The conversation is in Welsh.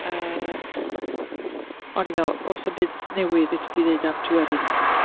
Yy o'n i'n meddwl "o sna'm byd newydd fedri di ddeud am Tryweryn."